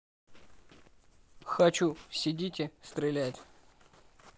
хочу сидите стрелять